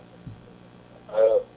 allo